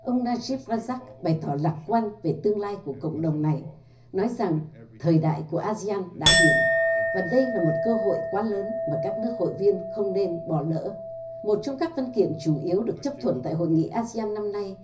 ông na díp ra dắc bày tỏ lạc quan về tương lai của cộng đồng này nói rằng thời đại của a di an đã điểm và đây là một cơ hội quá lớn mà các nước hội viên không nên bỏ lỡ một trong các văn kiện chủ yếu được chấp thuận tại hội nghị a si an năm nay